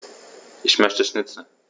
Ich möchte Schnitzel.